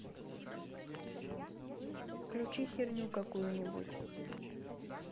включи херню какую нибудь